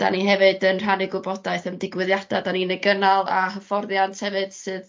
'Dan ni hefyd yn rhannu gwybodaeth yym digwyddiada 'dan ni'n eu gynnal a hyfforddiant hefyd sydd